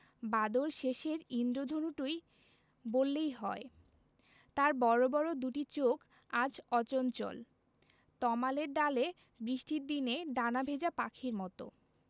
বাদলশেষের ঈন্দ্রধনুটি বললেই হয় তার বড় বড় দুটি চোখ আজ অচঞ্চল তমালের ডালে বৃষ্টির দিনে ডানা ভেজা পাখির মত